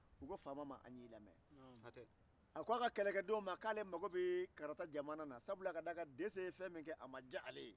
a ko a ka kɛlɛdenw ma k'ale mago bɛ karata jamana na sabula dese ye fɛn min kɛ a ma diya ale ye